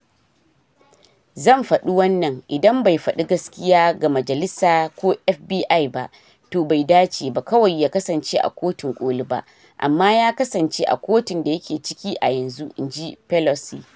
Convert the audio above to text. "Zan faɗi wannan - idan bai fadi gaskiya ga majalisa ko FBI ba, to bai dace ba kawai ya kasance a Kotun Koli ba, amma ya kasance a kotun da yake ciki a yanzu," in ji Pelosi.